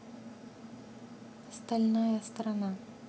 стальная страна